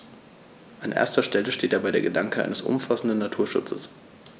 An erster Stelle steht dabei der Gedanke eines umfassenden Naturschutzes.